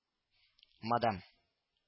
— мадам